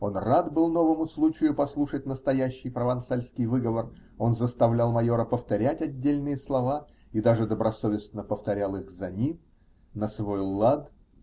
Он рад был новому случаю послушать настоящий провансальский выговор, он заставлял майора повторять отдельные слова и даже добросовестно повторял их за ним, на свой лад.